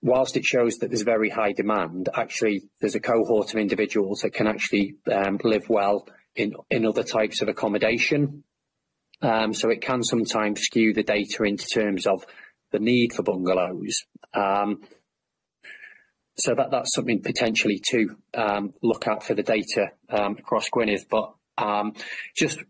whilst it shows that there's very high demand actually there's a cohort of individuals that can actually yym live well in in other types of accommodation yym so it can sometimes skew the data in terms of the need for bungalows yym so that that's something potentially to yym look out for the data yym across Gwynedd but yym jyst